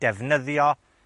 defnyddio